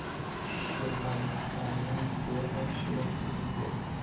shirmoy noningni berma shirin so'zingni ber